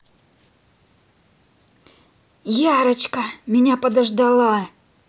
yarochka меня подождала